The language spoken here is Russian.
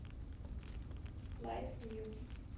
лайф ньюз